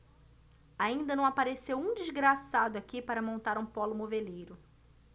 ainda não apareceu um desgraçado aqui para montar um pólo moveleiro